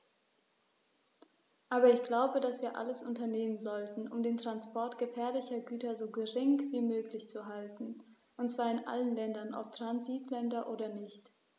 Aber ich glaube, dass wir alles unternehmen sollten, um den Transport gefährlicher Güter so gering wie möglich zu halten, und zwar in allen Ländern, ob Transitländer oder nicht.